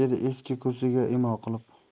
dedi eski kursiga imo qilib